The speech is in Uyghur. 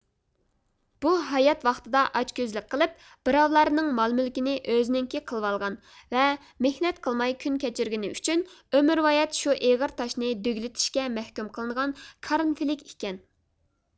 بۇ ھايات ۋاقتىدا ئاچ كۆزلۈك قىلىپ بىراۋلارنىڭ مال مۈلىكىنى ئۆزىنىڭكى قىلىۋالغان ۋە مېھنەت قىلماي كۈن كەچۈرگىنى ئۈچۈن ئۆمۈرۋايەت شۇ ئېغىر تاشنى دۈگىلىتىشكە مەھكۇم قىلىنغان كارىنفلىك ئىكەن